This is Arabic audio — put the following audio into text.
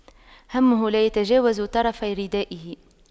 همه لا يتجاوز طرفي ردائه